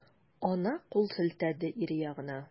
Ана кул селтәде ире ягына.